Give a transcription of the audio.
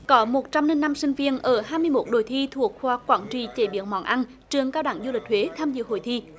có một trăm linh năm sinh viên ở hai mươi mốt đội thi thuộc khoa quản trị chế biến món ăn trường cao đẳng du lịch huế tham dự hội thi